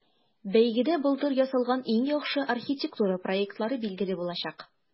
Бәйгедә былтыр ясалган иң яхшы архитектура проектлары билгеле булачак.